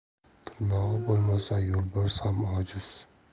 tirnog'i bo'lmasa yo'lbars ham ojiz